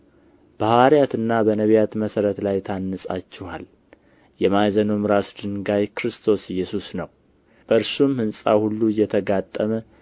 በሐዋርያትና በነቢያት መሠረት ላይ ታንጻችኋል የማዕዘኑም ራስ ድንጋይ ክርስቶስ ኢየሱስ ነው በእርሱም ሕንጻ ሁሉ እየተጋጠመ